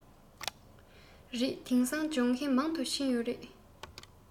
རེད དེང སང སྦྱོང མཁན མང དུ ཕྱིན ཡོད རེད